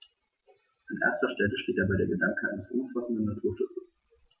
An erster Stelle steht dabei der Gedanke eines umfassenden Naturschutzes.